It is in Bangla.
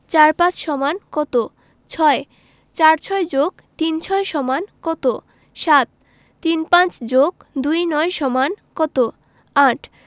৪৫ = কত ৬ ৪৬ + ৩৬ = কত ৭ ৩৫ + ২৯ = কত ৮